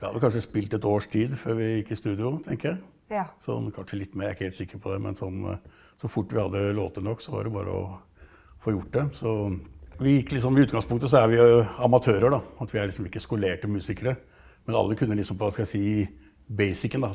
vi har vel kanskje spilt et års tid før vi gikk i studio tenker jeg sånn kanskje litt mer, jeg er ikke helt sikkert på det, men sånn så fort vi hadde låter nok så var det bare å få gjort det, så vi gikk liksom i utgangspunktet så er vi jo amatører da at vi er liksom ikke skolerte musikere men alle kunne liksom hva skal jeg si basicen da.